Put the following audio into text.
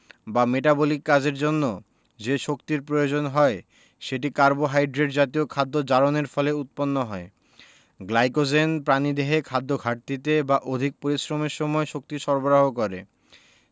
বা মেটাবলিক কাজের জন্য যে শক্তির প্রয়োজন হয় সেটি কার্বোহাইড্রেট জাতীয় খাদ্য জারণের ফলে উৎপন্ন হয় গ্লাইকোজেন প্রাণীদেহে খাদ্যঘাটতিতে বা অধিক পরিশ্রমের সময় শক্তি সরবরাহ করে